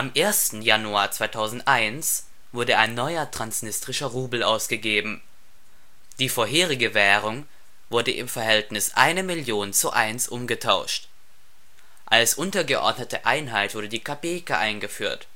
1. Januar 2001 wurde ein neuer Transnistrischer Rubel ausgegeben. Die vorherige Währung wurde im Verhältnis 1.000.000 zu 1 umgetauscht. Als untergeordnete Einheit wurde die Kopeka eingeführt